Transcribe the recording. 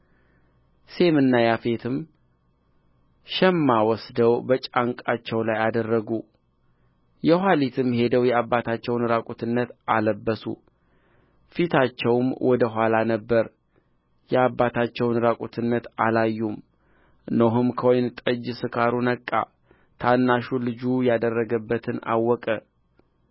ሴምና ያፌትም ሸማ ወስደው በጫንቃቸው ላይ አደረጉ የኋሊትም ሄደው የአባታቸውን ዕራቁትነት አለበሱ ፊታቸውም ወደ ኋላ ነበረ የአባታቸውንም ዕራቁትነት አላዩም ኖኅም ከወይን ጠጁ ስካር ነቃ ታናሹ ልጁ ያደረገበትንም አወቀ